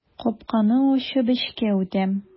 Капканы ачып эчкә үтәм.